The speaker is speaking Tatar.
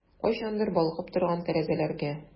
Кайчандыр балкып торган тәрәзәләргә...